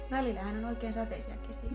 välillähän on oikein sateisia kesiä